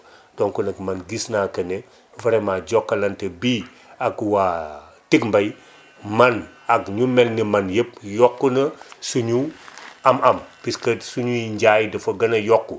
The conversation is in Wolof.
donc nag man gis naa que ne vraiment Jokalante bii ak waa Ticmbay man ak ñu mel ni man yëpp yokk na suñu am-am puisque suñuy njaay dafa gën a yokku